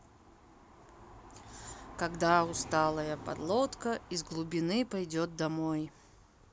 когда усталая подлодка из глубины придет домой